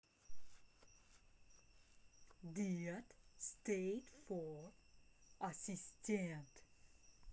dead state for ассистент